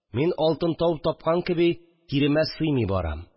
Мин, алтын тау тапкан кеби, тиремә сыймый барам